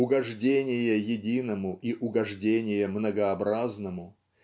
угождение единому и угождение многообразному